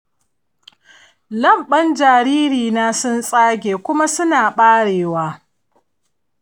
lebban jaririna sun tsage kuma suna barewa.